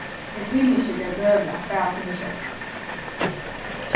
eg tími ikki at gera døgurða bara til mín sjálvs